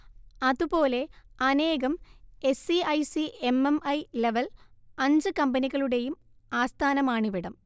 അതുപോലെ അനേകം S E I C M M I level അഞ്ച് കമ്പനികളുടെയും ആസ്ഥാനമാണിവിടം